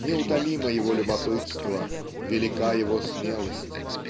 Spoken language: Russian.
Неутолимо его любопытство, велика его смелость.